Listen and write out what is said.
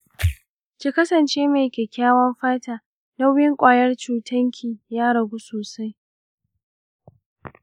ki kasance mai kyakkyawan fata; nauyin ƙwayar cutar ki ya ragu sosai.